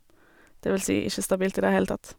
Det vil si ikke stabilt i det heile tatt.